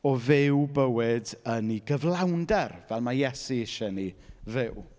O fyw bywyd yn ei gyflawnder fel ma' Iesu isie ni fyw.